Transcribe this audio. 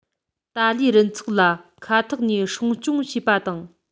ཏཱ ལའི རུ ཚོགས ལ མཁའ ཐོག ནས སྲུང སྐྱོང བྱས པ དང